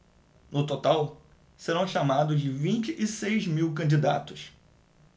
no total serão chamados vinte e seis mil candidatos